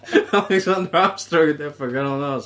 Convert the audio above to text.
Alexander Armstrong yn deffro yn ganol nos.